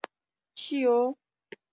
چیو؟